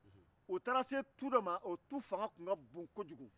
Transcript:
u taara se tu dɔ min fanga tun ka bon kojugu